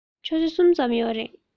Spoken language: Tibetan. ཆུ ཚོད གསུམ ཙམ ཡོད རེད